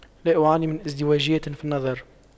لا أعاني من ازدواجية في النظر